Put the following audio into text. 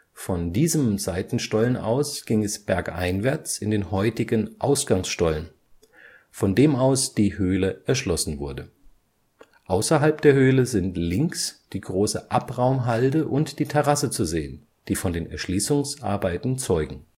Von diesem Seitenstollen aus ging es bergeinwärts in den heutigen Ausgangsstollen, von dem aus die Höhle erschlossen wurde. Außerhalb der Höhle sind links die große Abraumhalde und die Terrasse zu sehen, die von den Erschließungsarbeiten zeugen